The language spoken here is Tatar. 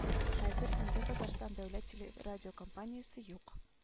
Хәзер инде татарстан дәүләт телерадиокомпаниясе юк